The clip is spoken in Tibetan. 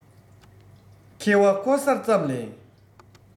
ཁེ བ འཁོར ས ཙམ ལས